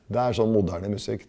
det er sånn moderne musikk.